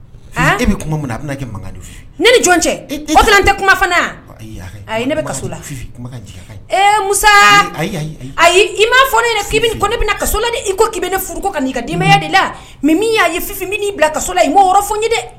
Ne jɔn cɛ tɛ i fɔ ne ne i' bɛ ne furu kaya de la y'a ye min'i bila ka la i yɔrɔ fo n ye dɛ